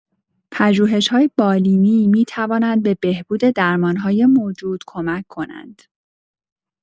پژوهش‌‌های بالینی می‌توانند به بهبود درمان‌های موجود کمک کنند.